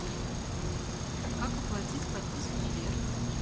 как оплатить подписку сбер